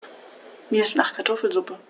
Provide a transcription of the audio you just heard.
Mir ist nach Kartoffelsuppe.